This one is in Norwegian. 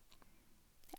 Ja.